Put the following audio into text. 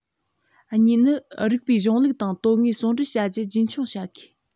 གཉིས ནི རིགས པའི གཞུང ལུགས དང དོན དངོས ཟུང འབྲེལ བྱ རྒྱུ རྒྱུན འཁྱོངས བྱ དགོས